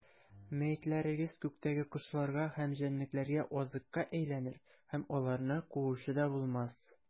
Мәетләрегез күктәге кошларга һәм җәнлекләргә азыкка әйләнер, һәм аларны куучы да булмас.